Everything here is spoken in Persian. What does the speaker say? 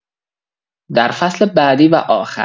در فصل بعدی و آخر